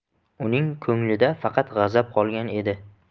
uning ko'nglida faqat g'azab qolgan edi